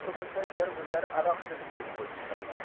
ko'p o'tmay ular o'zlari alohida suruk bo'lib chiqadilar